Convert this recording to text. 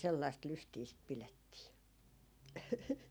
sellaista lystiä sitä pidettiin